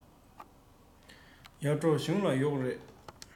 ཡར འབྲོག གཞུང ལ ཡོག རེད